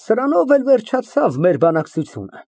Սրանով էլ վերջացավ մեր բանակցությունը։